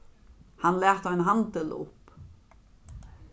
hann læt ein handil upp